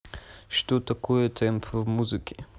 что такое темп в музыке